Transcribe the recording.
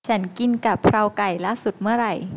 ฉันกินกะเพราไก่ล่าสุดเมื่อไหร่